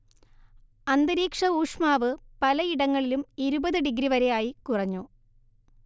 അന്തരീക്ഷഊഷ്മാവ് പലയിടങ്ങളിലും ഇരുപത് ഡിഗ്രി വരെയായി കുറഞ്ഞു